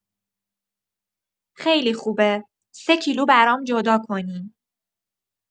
خیلی خوبه، سه کیلو برام جدا کنین.